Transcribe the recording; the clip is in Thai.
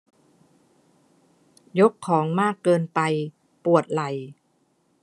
ยกของมากเกินไปปวดไหล่